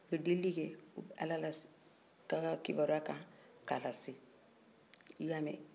u bɛ delili kɛ u bɛ ala lase ka kibaruya kan k'a lase i y'a mɛn